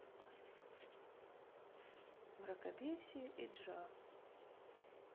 мракобесие и джаз